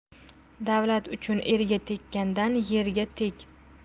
davlat uchun erga tekkandan yerga teg